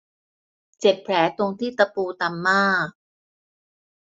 เจ็บแผลตรงที่ตะปูตำมาก